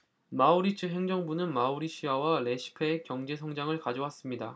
마우리츠 행정부는 마우리시아와 레시페에 경제 성장을 가져왔습니다